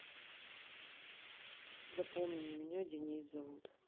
запомни меня денис зовут